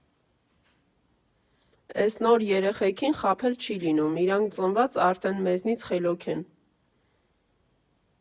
Էս նոր երեխեքին խաբել չի լինում, իրանք ծնված արդեն մեզնից խելոք են։